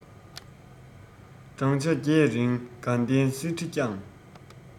བགྲང བྱ བརྒྱད རིང དགའ ལྡན གསེར ཁྲི བསྐྱངས